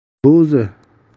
kim bu o'zi